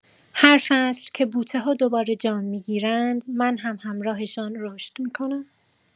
هر فصل که بوته‌ها دوباره جان می‌گیرند، من هم همراهشان رشد می‌کنم.